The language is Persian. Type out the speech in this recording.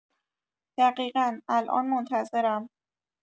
دقیقا، الان منتظرم